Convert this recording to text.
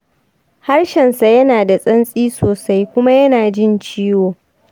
harshensa yana da santsi sosai kuma yana jin ciwo.